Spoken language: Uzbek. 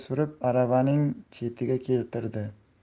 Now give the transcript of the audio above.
surib aravaning chetiga keltirdi